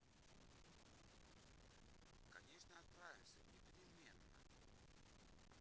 конечно отправимся неплеменно